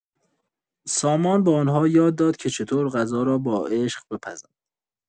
سامان به آن‌ها یاد داد که چطور غذا را با عشق بپزند.